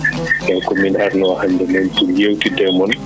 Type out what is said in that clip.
eeyi ko miin arnoo hannde noon pour yeewtidde e mon